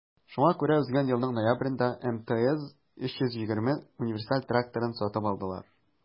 Шуңа күрә узган елның ноябрендә МТЗ 320 универсаль тракторын сатып алдылар.